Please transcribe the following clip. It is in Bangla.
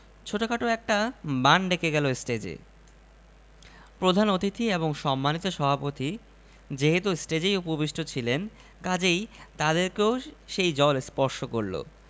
ছুটখাট একটা বান ডেকে গেল টেজে প্রধান অতিথি এবং সম্মানিত সভাপতি যেহেতু ষ্টেজেই উপবিষ্ট ছিলেন কাজেই তাদেরকেও সেই জল স্পর্শ করল